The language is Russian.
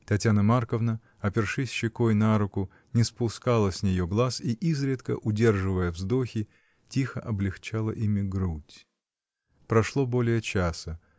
Татьяна Марковна, опершись щекой на руку, не спускала с нее глаз и изредка, удерживая вздохи, тихо облегчала ими грудь. Прошло больше часа.